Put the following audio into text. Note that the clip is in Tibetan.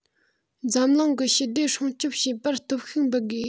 འཛམ གླིང གི ཞི བདེ སྲུང སྐྱོང བྱེད པར སྟོབས ཤུགས འབུལ དགོས